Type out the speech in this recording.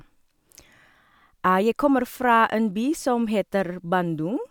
Jeg kommer fra en by som heter Bandung.